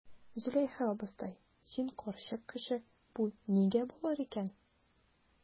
Зөләйха абыстай, син карчык кеше, бу нигә булыр икән?